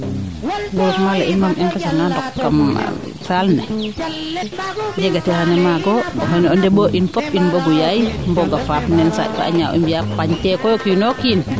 groupement le in moom i ngesanga ndoq salle le jegate xene maago xene o ndeɓo in fop in mbogu yaay mboga faap nen saanj fa'a ñaaw i mbiya pañ kee koy o kiino kiin